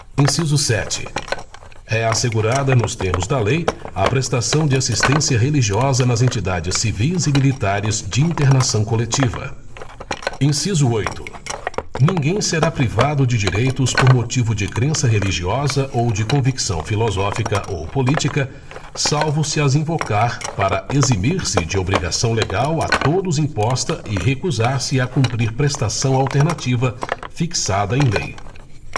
inciso sete é assegurada nos termos da lei a prestação de assistência religiosa nas entidades civis e militares de internação coletiva inciso oito ninguém será privado de direitos por motivo de crença religiosa ou de convicção filosófica ou política salvo se as invocar para eximir se de obrigação legal a todos imposta e recusar se a cumprir prestação alternativa fixada em lei